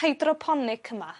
hydroponic yma